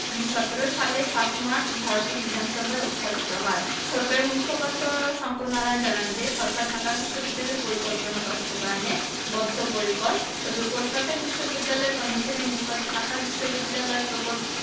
১৯১৭ সালের ৭ মার্চ ভারতীয় বিধানসভায় উত্থাপিত হয় সরকারি মুখপাত্র শঙ্কর নারায়ণ জানান যে সরকার ঢাকা বিশ্ববিদ্যালয় পরিকল্পনা বাস্তবায়নে বদ্ধপরিকর তবে কলকাতা বিশ্ববিদ্যালয় কমিশনের নিকট ঢাকা বিশ্ববিদ্যালয় প্রকল